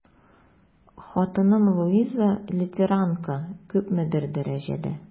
Хатыным Луиза, лютеранка, күпмедер дәрәҗәдә...